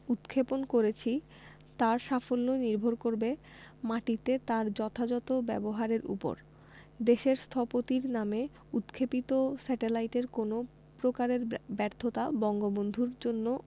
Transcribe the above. উৎক্ষেপণ করেছি তার সাফল্য নির্ভর করবে মাটিতে তার যথাযথ ব্যবহারের ওপর দেশের স্থপতির নামে উৎক্ষেপিত স্যাটেলাইটের কোনো প্রকারের ব্যর্থতা বঙ্গবন্ধুর জন্য